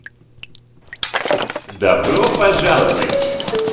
добро пожаловать